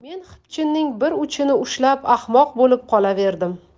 men xipchinning bir uchini ushlab ahmoq bo'lib qolaverdim